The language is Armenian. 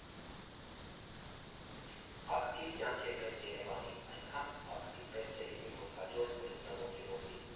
Ակտիվ կյանք է պետք Երևանին, այնքան ակտիվ պետք է լինի, որ հաջորդ սերունդը ոգևորվի։